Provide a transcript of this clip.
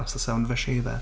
That's the sound of a shaver.